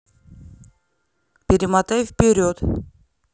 перемотай вперед